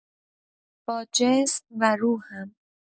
با جسم و روحم